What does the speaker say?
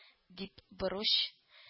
Дип боруч